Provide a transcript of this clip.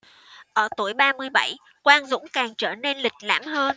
ở tuổi ba mươi bảy quang dũng càng trở nên lịch lãm hơn